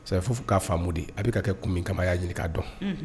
Sɛ fo fo k'a di a bɛ ka kɛ kun kama y'a ɲini ɲininka k'a dɔn